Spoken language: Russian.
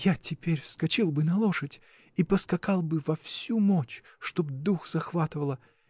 — Я теперь вскочил бы на лошадь и поскакал бы во всю мочь, чтоб дух захватывало.